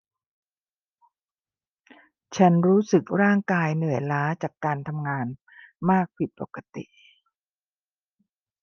ฉันรู้สึกร่างกายเหนื่อยล้าจากการทำงานมากผิดปกติ